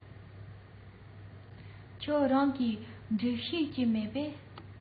ཁྱེད རང གིས འབྲི ཤེས ཀྱི མེད པས